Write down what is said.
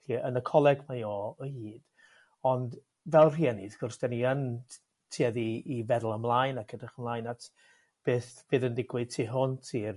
'Lly yn y coleg mae o o hyd ond fel rhieni wrth gwrs 'dyn ni yn t- tueddu i feddwl ymlaen ac edrych mlaen at beth fydd yn digwydd tu hwnt i'r